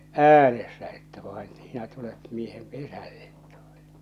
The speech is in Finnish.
äänessä että vaan sinä tulet miehen pesälle tuota